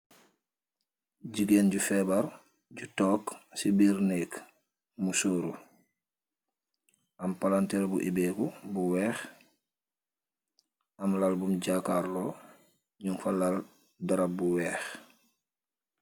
Jigeen ju febarr, jigeen gu febarr gu togg si birr neek , musoru , emm paranterr bu ebeh kuh bu weeh emm laal bumm jakarlo, nun fa laal darab bu weeh